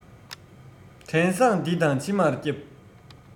བྲན བཟང འདི དང ཕྱི མར བསྐྱབས